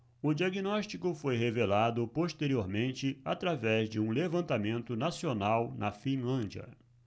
o diagnóstico foi revelado posteriormente através de um levantamento nacional na finlândia